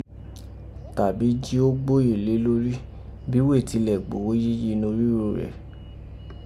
tàbí jí o gboyè lé lórí, bí wéè tilẹ̀ gbowó yéye norígho rẹ.